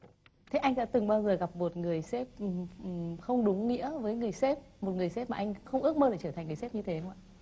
thế anh đã từng bao giờ gặp một người sếp không đúng không đúng nghĩa với người sếp một người sếp mà anh không ước mơ để trở thành người sếp như thế không ạ